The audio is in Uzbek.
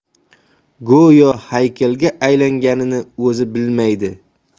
go'yo haykalga aylanganini o'zi bilmaydi